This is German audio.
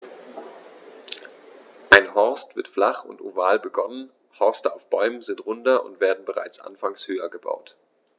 Ein Horst wird flach und oval begonnen, Horste auf Bäumen sind runder und werden bereits anfangs höher gebaut.